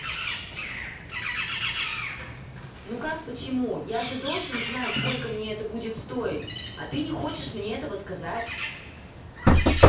ну как почему я же должен знать сколько мне это будет стоить а ты не хочешь мне этого сказать